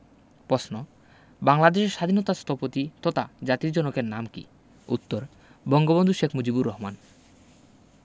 পশ্ন বাংলাদেশের স্বাধীনতার স্থপতি ততা জাতির জনকের নাম কী উত্তর বঙ্গবন্ধু শেখ মুজিবুর রহমান